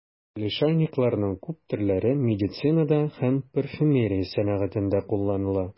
Лишайникларның күп төрләре медицинада һәм парфюмерия сәнәгатендә кулланыла.